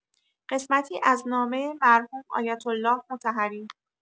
قسمتی از نامه مرحوم آیه‌الله مطهری